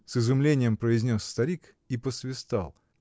— с изумлением произнес старик и посвистал.